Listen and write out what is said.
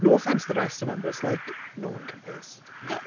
No offence to the rest of them but it's like, no one compares to the Davide.